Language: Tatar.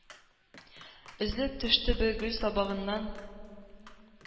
Өзелеп төште бер гөл сабагыннан